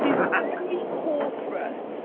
She's very corporate.